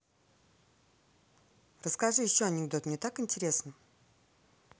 расскажи еще анекдот мне так интересно